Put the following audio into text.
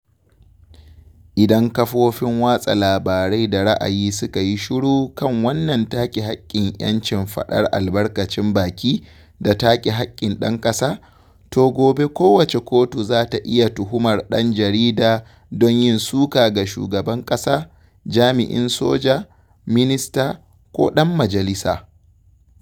Idan kafofin watsa labarai da ra’ayi suka yi shiru kan wannan take hakkin ‘yancin faɗar albarkacin baki da take hakkin ɗan ƙasa, to gobe kowace kotu za ta iya tuhumar ɗan jarida don yin suka ga shugaban kasa, jami’in soja, minista ko ɗan majalisa.